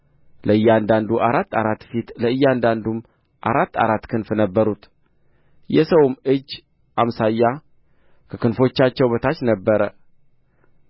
ለእያንዳንዱ አራት አራት ፊት ለእያንዳንዱም አራት አራት ክንፍ ነበሩት የሰውም እጅ አምሳያ ከክንፎቻቸው በታች ነበረ